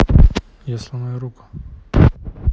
я сломаю руку